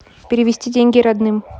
перевести деньги родным